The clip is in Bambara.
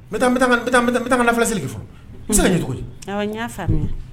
Filasigi ye cogo